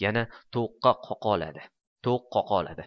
yana tovuq qa qoladi